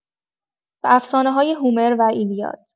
به افسانه‌های هومر و ایلیاد.